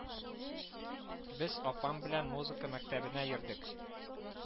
Без апам белән музыка мәктәбенә йөрдек